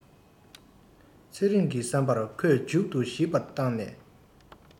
ཚེ རིང གི བསམ པར ཁོས མཇུག ཏུ ཞིབ པར བཏང ནས